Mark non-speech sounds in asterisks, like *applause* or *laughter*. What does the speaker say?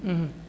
*hesitation* *hesitation*